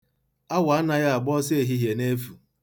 Awọ anaghị agba ọsọ ehihie n'efu.